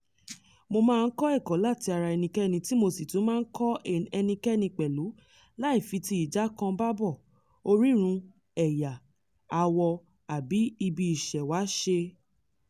Mo máa ń kọ́ ẹ̀kọ́ láti ara ẹnikẹ́ni tí mo sì tún máa ń kọ́ ẹnikẹ́ni pẹ̀lú láì fi ti ìjánkọ-n-bábo, orírun, ẹ̀yà, àwọ̀ àbí ibi ìsẹ̀wá ṣe.